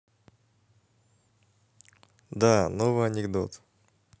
да новый анекдот